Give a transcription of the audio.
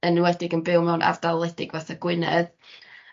yn ewedig yn byw mewn ardal wledig fatha Gwynedd.